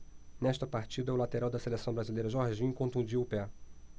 nesta partida o lateral da seleção brasileira jorginho contundiu o pé